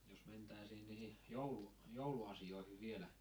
jos mentäisiin niihin - jouluasioihin vielä